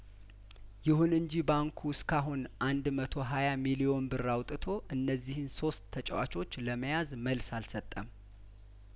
ይሁን እንጂ ባንኩ እስካሁን አንድ መቶ ሀያ ሚሊዮን ብር አውጥቶ እነዚህን ሶስት ተጫዋቾች ለመያዝ መልስ አልሰጠም